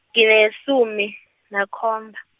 nginesumi, nakhomba.